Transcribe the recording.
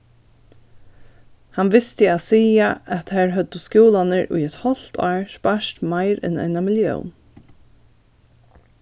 hann visti at siga at har høvdu skúlarnir í eitt hálvt ár spart meir enn eina millión